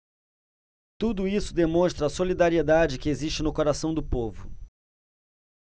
tudo isso demonstra a solidariedade que existe no coração do povo